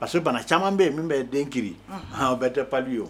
Pa que bana caman bɛ yen min bɛ den kari bɛɛ tɛ pali ye